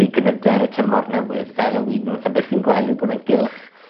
i gnyde yn y tymor newydd, fel y winwns. A be' chi'n gwel' yw bod e'n gylch